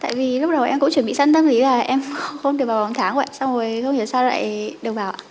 tại vì lúc đầu em cũng chuẩn bị sẵn tâm lý là em không được vào vòng tháng rồi ạ xong rồi không hiểu sao lại được vào ạ